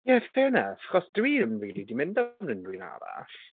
Ie, fair enough, achos dyw hi ddim rili 'di mynd am unrhywun arall.